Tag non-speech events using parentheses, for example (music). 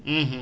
(hesitation) (hesitation)